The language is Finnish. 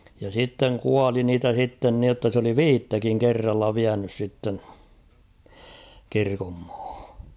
ja sitten kuoli niitä sitten niin jotta se oli viittäkin kerralla vienyt sitten kirkonmaahan